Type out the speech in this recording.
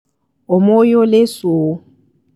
Omoyole Sowore